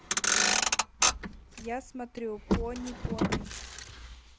я смотрю пони пони